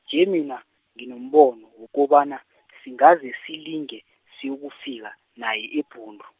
nje mina, nginombono wokobana , singaze silinge, siyokufika naye eBhundu.